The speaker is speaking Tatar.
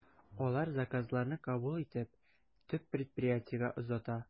Алар заказларны кабул итеп, төп предприятиегә озата.